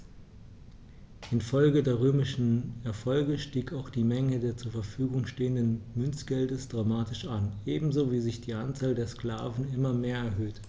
Infolge der römischen Erfolge stieg auch die Menge des zur Verfügung stehenden Münzgeldes dramatisch an, ebenso wie sich die Anzahl der Sklaven immer mehr erhöhte.